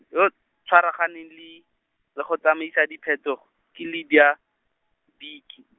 yo o, tshwaraganeng le, go tsamaisa diphetogo, ke Lydia, Bici.